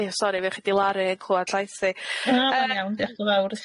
Ia sori fy'wch chi 'di laru clwad llais i. Na ma'n iawn diolch yn fawr i chi.